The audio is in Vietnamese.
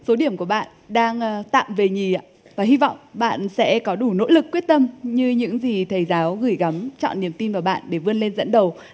số điểm của bạn đang tạm về nhì ạ và hy vọng bạn sẽ có đủ nỗ lực quyết tâm như những gì thầy giáo gửi gắm trọn niềm tin vào bạn để vươn lên dẫn đầu